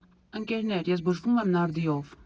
Ընկերներ, ես բուժվում եմ նարդիով։